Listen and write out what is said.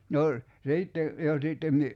no sitten jo sitten -